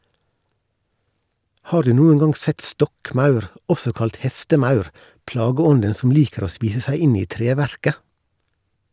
Har du noen gang sett stokkmaur, også kalt hestemaur, plageånden som liker å spise seg inn i treverket?